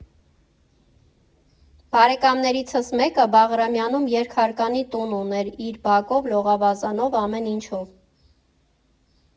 Բարեկամներիցս մեկը Բաղրամյանում երկհարկանի տուն ուներ՝ իր բակով, լողավազանով, ամեն ինչով։